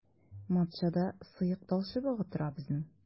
Матчада сыек талчыбыгы тора безнең.